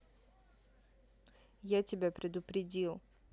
я тебя предупредил